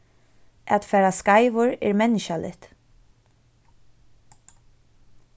at fara skeivur er menniskjaligt